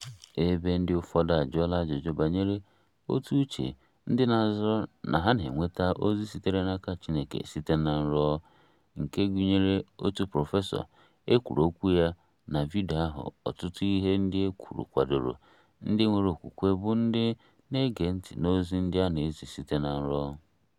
Ebe ndị ụfọdụ ajụọla ajụjụ banyere otu uche ndị na-azọrọ na ha na-enweta ozi sitere n'aka Chineke site na nrọ, nkegụnyere otu prọfesọ e kwuru okwu ya na vidiyo ahụ, ọtụtụ ihe ndị e kwuru kwadoro ndị nwere okwukwe bụ ndị na-ege ntị n'ozi ndị a na-ezi site na nrọ.